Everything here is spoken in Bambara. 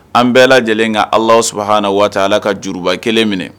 An bɛɛ lajɛlen ka ala saba h na waati ala ka juruba kelen minɛ